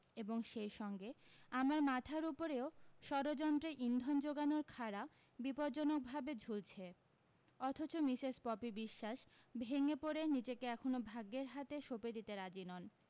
এবং সেই সঙ্গে আমার মাথার উপরেও ষড়যন্ত্রে ইন্ধন যোগানোর খাঁড়া বিপজ্জনকভাবে ঝুলছে অথচ মিসেস পপি বিশ্বাস ভেঙে পড়ে নিজেকে এখনও ভাগ্যের হাতে সঁপে দিতে রাজি নন